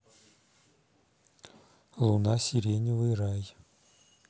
луна сиреневый рай